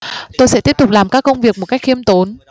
tôi sẽ tiếp tục làm các công việc một cách khiêm tốn